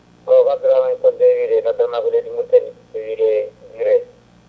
o ko Abdourahmane Sow * noddama ko leydi Mauritanie ene wiye Guiraye